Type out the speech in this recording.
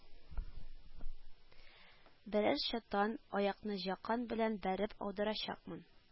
Берәр чатан аякны жакан белән бәреп аударачакмын